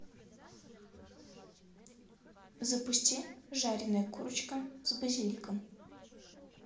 запусти жареная курочка с базиликом